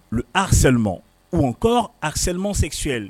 asli u kɔ aslima sesi